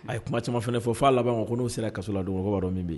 A ye kuma caman fan fɔ fo a laban ko ko n'o sera kaso la don k'o b'a dɔn min bɛ yen